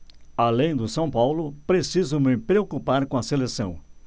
além do são paulo preciso me preocupar com a seleção